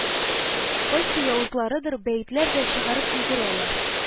Кайсы явызларыдыр бәетләр дә чыгарып өлгерәләр